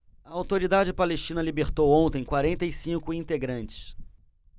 a autoridade palestina libertou ontem quarenta e cinco integrantes